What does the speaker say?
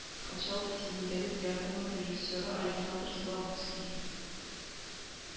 Качалов исемендәге театрның режиссеры Александр Славутский